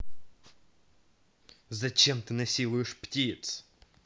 зачем ты насилуешь птиц